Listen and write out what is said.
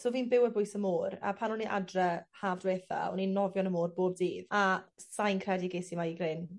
so fi'n byw ar bwys y môr a pan o'n i adre Haf dwetha o'n i'n nofio yn y môr bob dydd a s- sai'n credu ges i migraine.